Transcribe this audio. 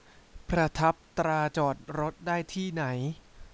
ประทับตราจอดรถได้ที่ไหน